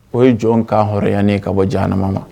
O ye jɔn ka hɔrɔnya ye ka bɔ janma ma